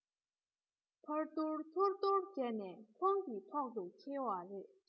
ཕར སྡུར ཚུར སྡུར བྱས ནས ཁོང གི ཐོག ཏུ འཁེལ བ རེད